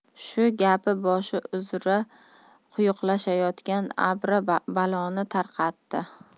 shu gapi boshi uzra quyuqlashayotgan abri baloni tarqatdi